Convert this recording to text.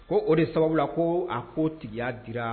Ko o de sababu la ko a ko tigiya dira